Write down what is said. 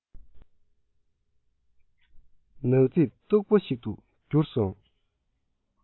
ནག རྫིབ སྟུག པོ ཞིག ཏུ གྱུར སོང